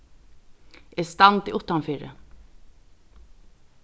eg standi uttanfyri